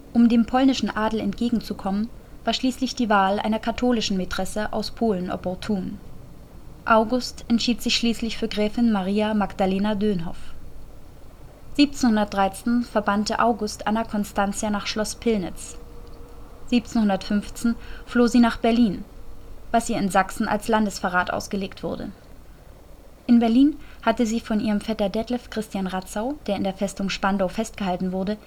Um dem polnischen Adel entgegen zu kommen, war schließlich die Wahl einer katholischen Mätresse aus Polen opportun. August entschied sich schließlich für Gräfin Maria Magdalena Dönhoff. 1713 verbannte August Anna Constantia nach Schloss Pillnitz. 1715 floh sie nach Berlin, was ihr in Sachsen als Landesverrat ausgelegt wurde. In Berlin hatte sie von ihrem Vetter Detlev Christian Rantzau, der in der Festung Spandau festgehalten wurde